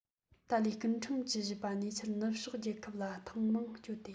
ཏཱ ལ སྐྱེ ཕྲེང བཅུ བཞི པ ཉེ ཆར ནུབ ཕྱོགས རྒྱལ ཁབ ལ ཐེངས མང བསྐྱོད དེ